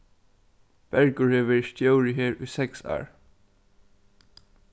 bergur hevur verið stjóri her í seks ár